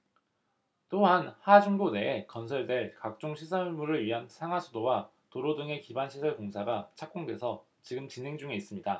또한 하중도 내에 건설될 각종 시설물을 위한 상하수도와 도로 등의 기반시설 공사가 착공돼서 지금 진행 중에 있습니다